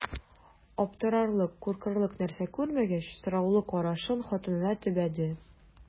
Аптырарлык, куркырлык нәрсә күрмәгәч, сораулы карашын хатынына төбәде.